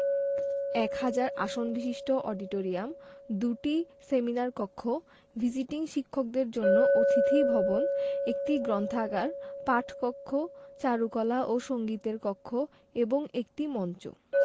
এক হাজার আসনবিশিষ্ট অডিটোরিয়াম ২টি সেমিনার কক্ষ ভিজিটিং শিক্ষকদের জন্য অতিথি ভবন একটি গ্রন্তাগার পাঠ কক্ষ চারুকলা ও সংগীতের কক্ষ এবং একটি মঞ্ছ